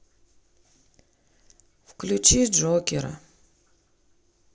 включи джокера